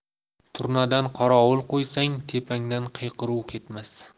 turnadan qorovul qo'ysang tepangdan qiyqiruv ketmas